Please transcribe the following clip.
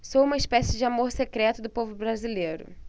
sou uma espécie de amor secreto do povo brasileiro